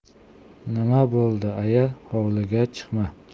nima bo'ldi aya hovliga chiqma